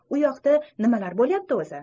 u yoqda nimalar bo'layapti o'zi